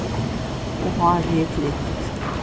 og hárið er klipt